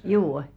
juu